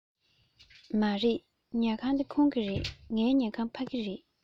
མ རེད ཉལ ཁང འདི ཁོང གི རེད ངའི ཉལ ཁང ཕ གི རེད